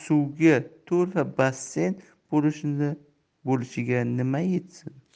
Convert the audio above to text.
suvga to'la basseyn bo'lishiga nima yetsin